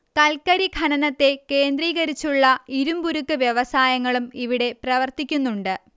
കൽക്കരി ഖനനത്തെ കേന്ദ്രീകരിച്ചുള്ള ഇരുമ്പുരുക്ക് വ്യവസായങ്ങളും ഇവിടെ പ്രവർത്തിക്കുന്നുണ്ട്